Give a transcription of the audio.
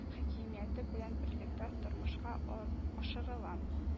Хакимияте белән берлектә тормышка ар ашырыла